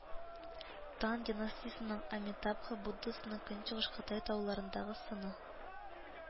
Тан династиясеннән Амитабха буддасының көнчыгыш Кытай тауларындагы сыны